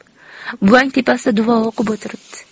buvang tepasida duo o'qib o'tiribdi